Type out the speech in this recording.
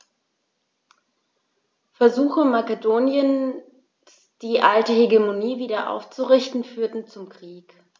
Versuche Makedoniens, die alte Hegemonie wieder aufzurichten, führten zum Krieg.